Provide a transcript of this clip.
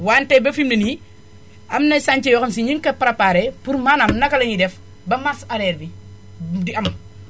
wante ba fi mu ne nii am na chantier yoo xam si ñu ngi ko préparé pour maanam naka la ñuy def ba marche arrière bi di am